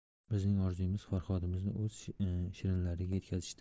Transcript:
bizning orzuyimiz farhodimizni o'z shirinlariga yetkazishdir